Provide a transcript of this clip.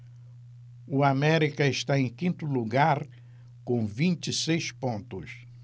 o américa está em quinto lugar com vinte e seis pontos